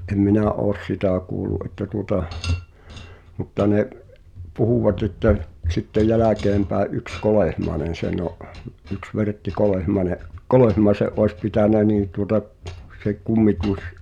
en minä ole sitä kuullut että tuota mutta ne puhuvat että - sitten jälkeenpäin yksi Kolehmainen sen on yksi Vertti Kolehmainen Kolehmaisen olisi pitänyt niin tuota se kummitus